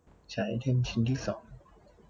ใช้ไอเทมชิ้นที่สอง